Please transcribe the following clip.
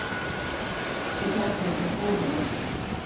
eg taki mær persónliga av hesum